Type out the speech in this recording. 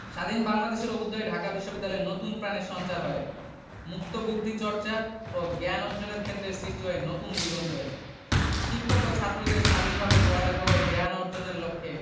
স্বাধীন বাংলাদেশের অভ্যুদয়ে ঢাকা বিশ্ববিদ্যালয়ে নতুন প্রাণের সঞ্চার হয় মুক্তবুদ্ধি চর্চা ও জ্ঞান অর্জনের ক্ষেত্রে সৃষ্টি হয় নতুন দিগন্তের শিক্ষক ও ছাত্রদের স্বাধীনভাবে পড়ালেখা ও জ্ঞান অর্জনের লক্ষ্যে